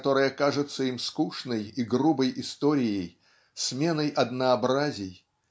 которая кажется им скучной и грубой историей сменой однообразий